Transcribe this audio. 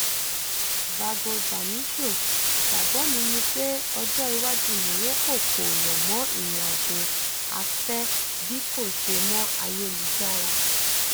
[Vago Damitio:] Ìgbàgbọ́ mi ni pé ọjọ́-iwájú Morocco kò rọ̀ mọ́ ìrìn-àjò afẹ́ bí kò ṣe mọ́ ayélujára.